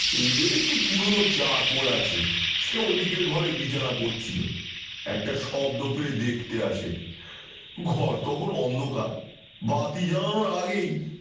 এদের একটি পুরনো চাকর আছে সে ওদিকের ঘরে বিছানা করছিল একটা শব্দ পেয়ে আসে ঘর তখন অন্ধকার বাতি জ্বালানোর আগেই